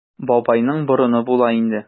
Бабайның борыны була инде.